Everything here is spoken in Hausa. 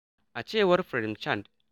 A cewar prem Chand: